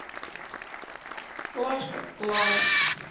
лашка лана